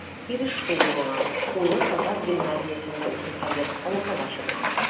Иреште ул моңа, улы татар гимназиясендә укый хәзер, Аллаһыга шөкер.